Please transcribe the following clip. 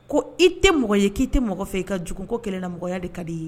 Ko i tɛ mɔgɔ ye k'i tɛ mɔgɔ fɛ i ka jko kɛlɛlamɔgɔya de ka di ye